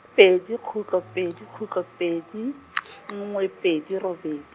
pedi khutlo pedi khutlo pedi , nngwe pedi robedi.